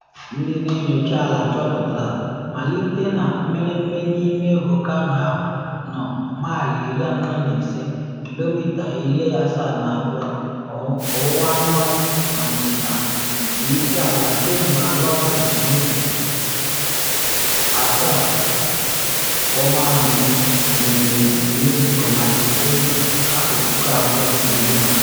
Ndị na enyocha ala chọpụtara mmalite na mmereme n’ime volkano ahụ nọ maịlụ 45 (kilomita 72) ọwụwa anyanwụ na ndịda nke isi ala kemgbe ala ọmajiji ruru 7.1 mere n’etiti Mexico na Septemba 2017.